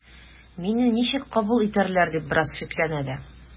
“мине ничек кабул итәрләр” дип бераз шикләнә дә.